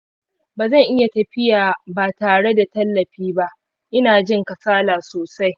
ba zan iya tafiya ba tare da tallafi ba, ina jin kasala sosai